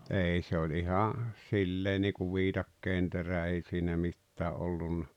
ei se oli ihan sillä lailla niin kuin viikatteenterä ei siinä mitään ollut